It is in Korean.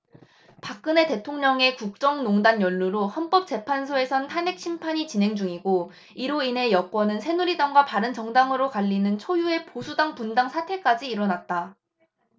박근혜 대통령의 국정농단 연루로 헌법재판소에선 탄핵 심판이 진행 중이고 이로 인해 여권은 새누리당과 바른정당으로 갈리는 초유의 보수당 분당 사태까지 일어났다